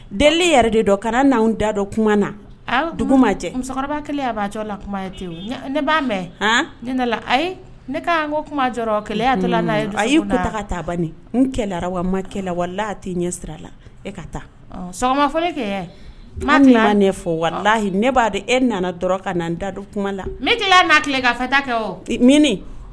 Deli yɛrɛ de ka n' da dɔ kuma na dugu ma musokɔrɔba b'a te ne b'an mɛn ne ko kuma a' ba ka taa n ma wala a t ɲɛ sira a la e ka taa kuma ne b'a di e nana dɔrɔn ka na da kuma la'a kɛ